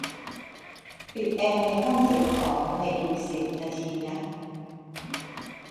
ปิดแอร์ในห้องเก็บของในอีกสิบนาทีนะ